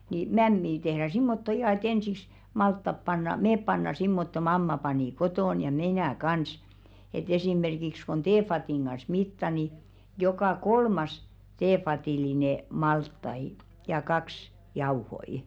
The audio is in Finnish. niin mämmiä tehdään semmottoon ihan että ensiksi maltaat pannaan me pannaan semmottoon mamma pani kotona ja minä kanssa että esimerkiksi kun teevadin kanssa mittaa niin joka kolmas teevadillinen maltaita ja kaksi jauhoja